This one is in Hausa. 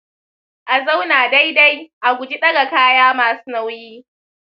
a zauna daidai, a guji ɗaga kaya masu nauyi.